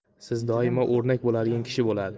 siz doimo o'rnak bo'ladigan kishi bo'ladi